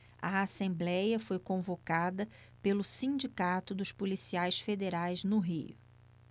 a assembléia foi convocada pelo sindicato dos policiais federais no rio